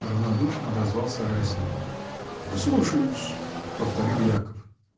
— равнодушно отозвался Райский. — Слушаю-с! — повторил Яков.